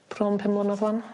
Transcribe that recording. Bron pum mlynadd rŵan.